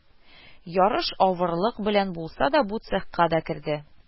Ярыш авырлык белән булса да бу цехка да керде